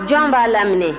jɔn b'a laminɛ